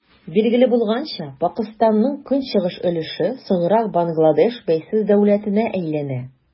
Билгеле булганча, Пакыстанның көнчыгыш өлеше соңрак Бангладеш бәйсез дәүләтенә әйләнә.